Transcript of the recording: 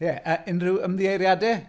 Ie, a unrhyw ymddiheuriadau?